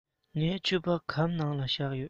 ངའི ཕྱུ པ སྒམ ནང ལ བཞག ཡོད